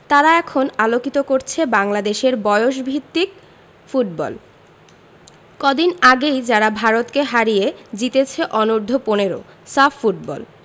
তারা এখন আলোকিত করছে বাংলাদেশের বয়সভিত্তিক ফুটবল কদিন আগেই যারা ভারতকে হারিয়ে জিতেছে অনূর্ধ্ব ১৫ সাফ ফুটবল